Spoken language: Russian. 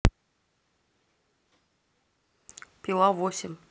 пила восемь